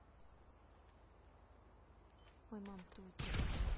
ой мама кто это